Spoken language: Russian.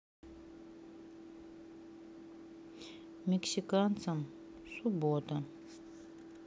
мексиканцам суббота